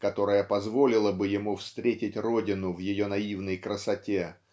которая позволила бы ему встретить родину в ее наивной красоте